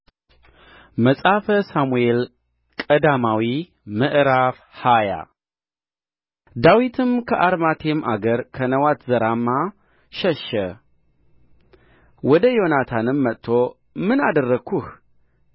መጽሐፈ ሳሙኤል ቀዳማዊ ምዕራፍ ሃያ ዳዊትም ከአርማቴም አገር ከነዋትዘራማ ሸሸ ወደ ዮናታንም መጥቶ ምን አደረግሁ